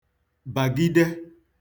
bàgide